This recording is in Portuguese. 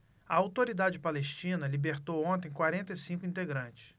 a autoridade palestina libertou ontem quarenta e cinco integrantes